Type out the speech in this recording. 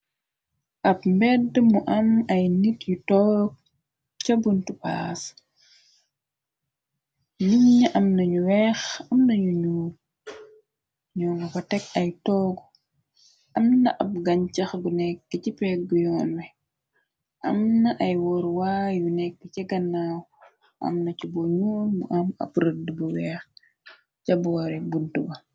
ab mbedd mu am ay nit yu toog ca bunt baas nitt ni am nañu weex am nañu nuul nunfa teg ay toog am na ab gañ cax gu nekk ci peggu yoon we am na ay woor waa yu nekk ca gannaaw am na ci bo ñuul mu am ab rëdd bu weex ca burri bunt ba.